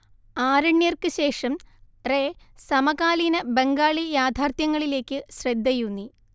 ആരണ്യർക്ക് ശേഷം റേ സമകാലീന ബംഗാളി യാഥാർത്ഥ്യങ്ങളിലേയ്ക്ക് ശ്രദ്ധയൂന്നി